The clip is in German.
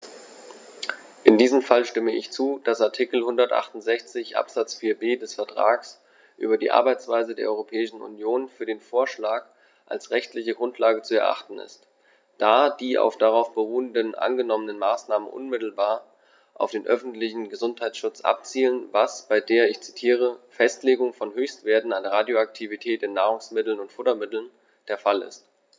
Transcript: In diesem Fall stimme ich zu, dass Artikel 168 Absatz 4b des Vertrags über die Arbeitsweise der Europäischen Union für den Vorschlag als rechtliche Grundlage zu erachten ist, da die auf darauf beruhenden angenommenen Maßnahmen unmittelbar auf den öffentlichen Gesundheitsschutz abzielen, was bei der - ich zitiere - "Festlegung von Höchstwerten an Radioaktivität in Nahrungsmitteln und Futtermitteln" der Fall ist.